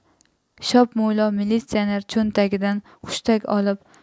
shopmo'ylov militsioner cho'ntagidan hushtak olib